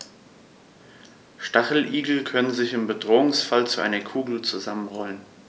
Stacheligel können sich im Bedrohungsfall zu einer Kugel zusammenrollen.